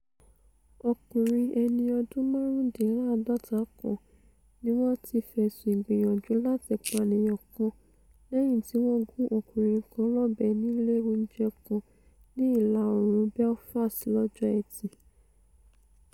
Ọkùnrin ẹni ọdún márùndínláàdọ́ta kan ní wọ́n ti fẹ̀sùn ìgbìyànjú láti pànìyàn kàn lẹ́yìn tíwọ́n gún ọkùnrin kan lọ́bẹ nílé oúnjẹ kan ní ìlà-oòrùn Belfast lọ́jọ́ Ẹtì.